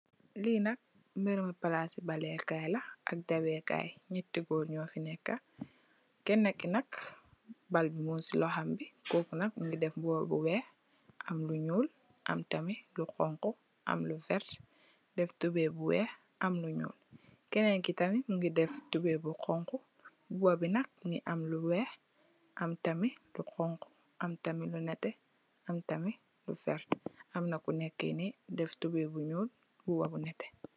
Lee nak meremu plase balekaye la ak dawekaye nyete goor nufe neka kenake nak bal be mug se lohom be koku nak muge def muba bu weex am lu nuul am tamin lu xonxo am lu verte def tubaye bu weex am lu nuul kenenke tamin muge def tubaye bu xonxo muba be nak muge am lu weex am tamin lu xonxo am tamin lu neteh am tamin lu verte amna ku neke nee def tubaye bu nuul muba bu neteh.